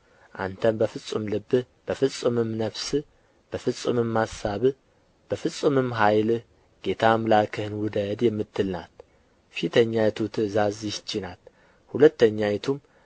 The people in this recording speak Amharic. አንተም በፍጹም ልብህ በፍጹምም ነፍስህ በፍጹምም አሳብህ በፍጹምም ኃይልህ ጌታ አምላክህን ውደድ የምትል ናት ፊተኛይቱ ትእዛዝ ይህች ናት ሁለተኛይቱም